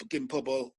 gin pobol